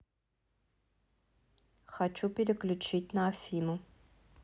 хочу переключить на афину